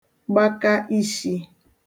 gbaka ishī